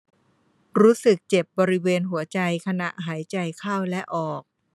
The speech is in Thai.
รู้สึกเจ็บบริเวณหัวใจขณะหายใจเข้าและออก